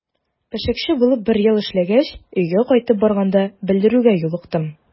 Пешекче булып бер ел эшләгәч, өйгә кайтып барганда белдерүгә юлыктым.